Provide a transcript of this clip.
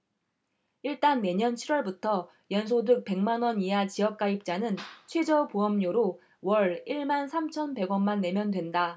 일단 내년 칠 월부터 연소득 백 만원 이하 지역가입자는 최저보험료로 월 일 만 삼천 백 원만 내면 된다